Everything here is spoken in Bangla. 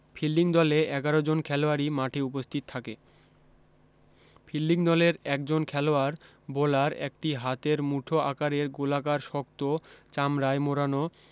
ফিল্ডিং দলে এগারো জন খেলোয়াড়ি মাঠে উপস্থিত থাকে ফিল্ডিং দলের একজন খেলোয়াড় বোলার একটি হাতের মুঠো আকারের গোলাকার শক্ত চামড়ায় মোড়ানো